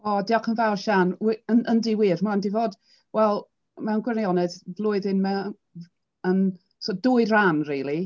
O diolch yn fawr Siân wi... yn- yndi wir. Mae 'di fod... wel, mewn gwirionedd flwyddyn mae o... yym, so dwy rhan rili.